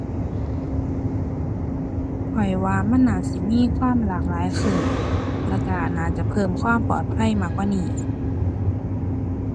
ข้อยว่ามันน่าสิมีความหลากหลายขึ้น แล้วก็น่าจะเพิ่มความปลอดภัยมากกว่านี้